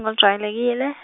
ngolujwayelekile.